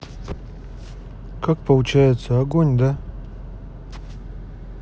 как получается огонь да